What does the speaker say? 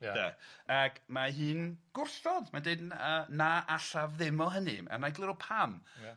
ia de, ac mae hi'n gwrthod, mae'n deud n- yy na allaf ddim o hynny, a mae'n gliro pam . Ia.